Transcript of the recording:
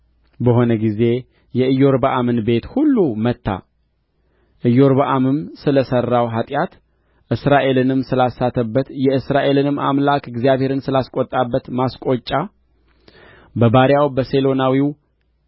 በሆነ ጊዜ የኢዮርብዓምን ቤት ሁሉ መታ ኢዮርብዓምም ስለ ሠራው ኃጢአት እስራኤልንም ስላሳተበት የእስራኤልንም አምላክ እግዚአብሔርን ስላስቈጣበት ማስቈጫ በባሪያው በሴሎናዊው